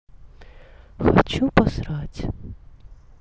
хочу посрать